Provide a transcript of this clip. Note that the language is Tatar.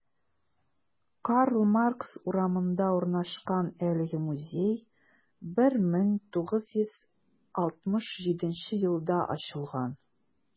Карл Маркс урамында урнашкан әлеге музей 1967 елда ачылган.